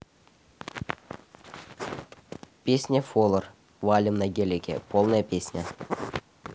песня voler валим на гелике полная песня